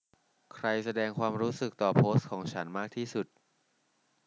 ใครแสดงความรู้สึกต่อโพสต์ของฉันมากที่สุด